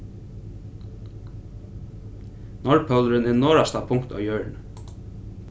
norðpólurin er norðasta punkt á jørðini